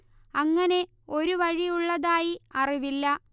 അങ്ങനെ ഒരു വഴി ഉള്ളതായി അറിവില്ല